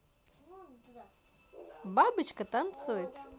бабочка танцует